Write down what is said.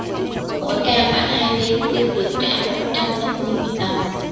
mỗi ca khoảng hai tiếng linh được trả một trăm năm mươi nghìn đồng